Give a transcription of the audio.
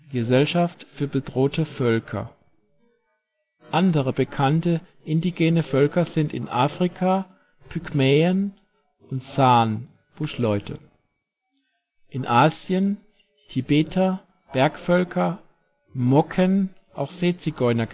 Gesellschaft für bedrohte Völker) Andere bekannte indigene Völker sind in Afrika: Pygmäen, San (Buschleute) in Asien: Tibeter, Bergvölker, Moken (" Seezigeuner